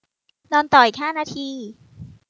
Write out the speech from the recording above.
นอนต่ออีกห้านาที